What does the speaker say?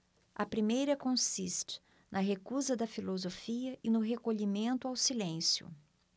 a primeira consiste na recusa da filosofia e no recolhimento ao silêncio